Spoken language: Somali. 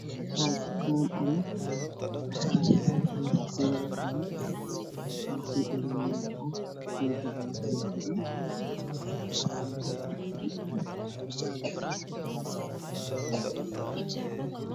Waa dukaan ka ama market oo lagu gado dhar kala duwan maxaa ka mid ah shaatiyaal ka is-waallo